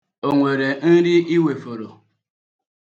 O nwere nri i wefọrọ?